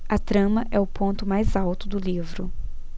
a trama é o ponto mais alto do livro